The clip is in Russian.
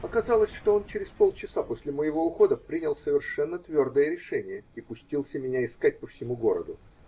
оказалось, что он через полчаса после моего ухода принял совершенно твердое решение и пустился меня искать по всему городу.